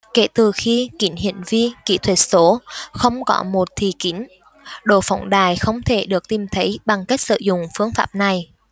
kể từ khi kính hiển vi kỹ thuật số không có một thị kính độ phóng đại không thể được tìm thấy bằng cách sử dụng phương pháp này